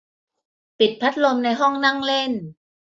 ปิดพัดลมในห้องนั่งเล่น